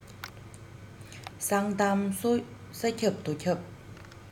གསང གཏམ ས ཁྱབ རྡོ ཁྱབ